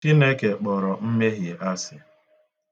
Chineke kpọrọ mmehie asị.